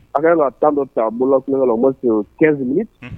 An ka kan na tan dɔ' bolo la o ma se o cɛn siri